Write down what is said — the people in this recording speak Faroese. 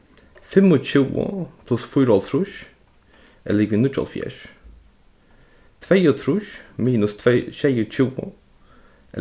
fimmogtjúgu pluss fýraoghálvtrýss er ligvið níggjuoghálvfjerðs tveyogtrýss minus sjeyogtjúgu